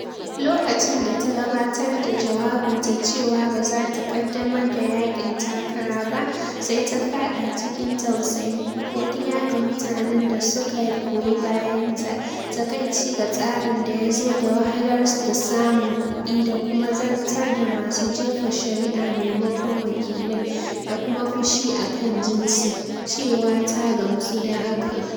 Lokacin da ta gabatar da jawabinta cewa ba za ta ƙaddamar da yakin takara ba, sai ta fada cikin tausayi - godiya ga mutanen da suka goyi bayanta, takaici ga tsarin da ya zo da wahalar samun kudi da kuma zartar da masu jefa kuri'a maimakon wakilai, da kuma fushi a kan jinsi - cewa ta gamsu da hakan.